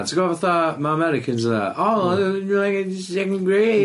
A ti gwbo fatha, ma' Americans fatha, oh I was in like in second grade.